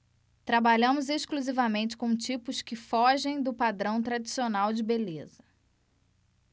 trabalhamos exclusivamente com tipos que fogem do padrão tradicional de beleza